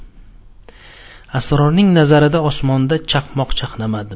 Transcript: srorning nazarida osmonda chaqmoq chaqnamadi